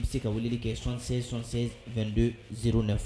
An bɛ se ka wuli kɛ son nisɔnsen2do nɔfɛ